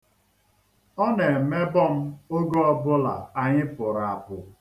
Ọ na-emebọ m ihu oge ọbụla anyị pụrụ apụ.